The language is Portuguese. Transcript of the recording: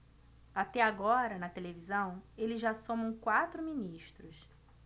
até agora na televisão eles já somam quatro ministros